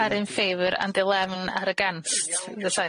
are in favour and eleven are against the site visit?